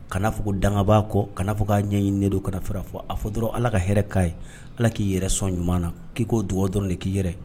Kanaa fɔ ko danganbaa kɔ kana k'a ɲɛɲini ne do ka fara fɔ a fɔ dɔrɔn ala ka hɛrɛ ka ye ala k'i yɛrɛ sɔn ɲuman na k'i ko dugawu dɔrɔn de k'i yɛrɛ